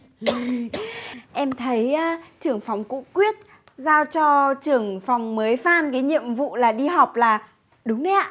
hì em thấy ơ trưởng phòng cũ quyết giao cho trưởng phòng mới phan cái nhiệm vụ là đi học là đúng đấy ạ